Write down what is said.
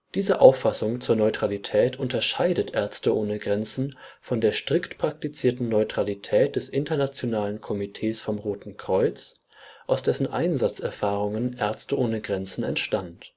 Diese Auffassung zur Neutralität unterscheidet MSF von der strikt praktizierten Neutralität des Internationalen Komitees vom Roten Kreuz (IKRK), aus dessen Einsatzerfahrungen MSF entstand